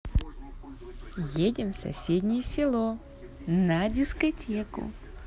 едем в соседнее село на дискотеку